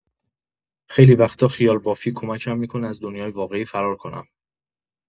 خیلی وقتا خیال‌بافی کمکم می‌کنه از دنیای واقعی فرار کنم.